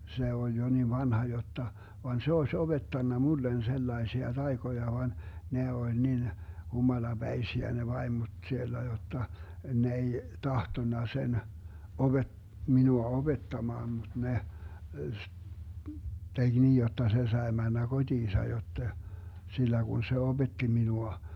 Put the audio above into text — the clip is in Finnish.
vaan se olisi opettanut minulle sellaisia taikoja vaan ne oli niin humalapäisiä ne vaimot siellä jotta ne ei tahtonut sen - minua opettamaan mutta ne teki niin jotta se sai mennä kotiinsa jotta sillä kun se opetti minua